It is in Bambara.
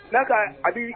Na ka abibi